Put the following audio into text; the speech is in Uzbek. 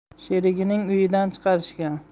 sherigining uyidan chiqarishgan